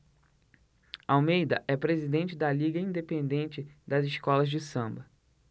almeida é presidente da liga independente das escolas de samba